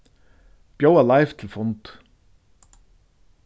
bjóða leif til fund